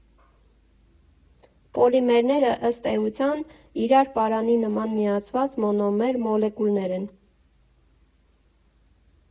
֊ Պոլիմերները, ըստ էության, իրար պարանի նման միացված մոնոմեր մոլեկուլներ են»։